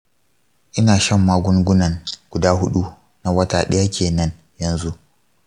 ina shan magungunan guda huɗu na wata ɗaya kenan yanzu.